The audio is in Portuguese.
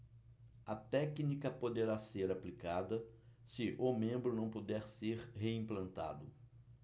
a técnica poderá ser aplicada se o membro não puder ser reimplantado